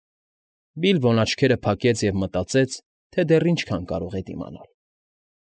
Բիլբոն աչքերը փակեց և մտածեց, թե դեռ ինչքան կարող է դիմանալ։